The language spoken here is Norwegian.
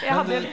jeg hadde.